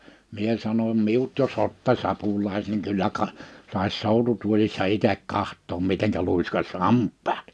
minä sanoin minut jos ottaisi apulaiseksi niin kyllä - saisi soututuolissa itse katsoa miten luiskaisi hampaat